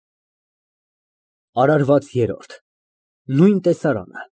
ԱՐԱՐՎԱԾ ԵՐՐՈՐԴ Նույն տեսարանը։